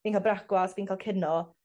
Fi'n ca'l brecwast fi'n ca'l cino.